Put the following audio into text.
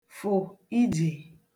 fụ ijè